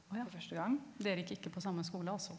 å ja dere gikk ikke på samme skole altså.